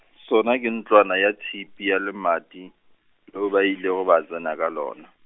sona ke ntlwana ya tšhipi ya lemati, leo ba ilego ba tsena ka lona.